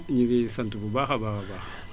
ñu ngi sant bu baax a baax a baax